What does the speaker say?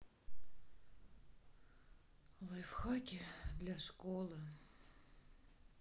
лайфхаки для школы